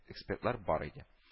Экспертлар бар иде